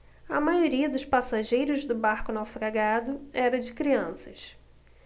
a maioria dos passageiros do barco naufragado era de crianças